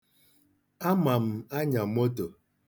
Ama m anya moto.